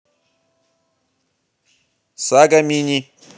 сага мини